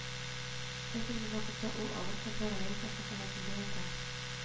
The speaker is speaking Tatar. Хәзерге вакытта ул авыр хәлдә район хастаханәсендә ята